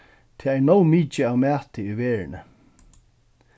tað er nóg mikið av mati í verðini